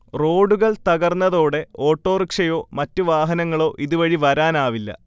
റോഡുകൾ തകർന്നതോടെ ഓട്ടോറിക്ഷയോ മറ്റ് വാഹനങ്ങളോ ഇതുവഴി വരാനാവില്ല